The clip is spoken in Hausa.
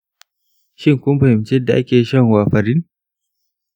shin, kun fahimci yadda ake shan warfarin?